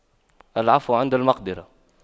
العفو عند المقدرة